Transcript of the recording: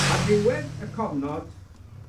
Ar ddiwedd y cofnod,